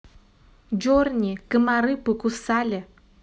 journey комары покусали